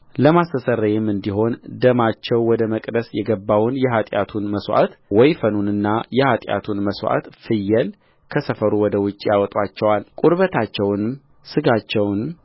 ለማስተስረያም እንዲሆን ደማቸው ወደ መቅደስ የገባውን የኃጢአቱን መስዋዕት ወይፈንና የኃጢአቱን መስዋዕት ፍየል ከሰፈሩ ወደ ውጭ ያወጡአቸዋል ቁርበታቸውንም ሥጋቸውንም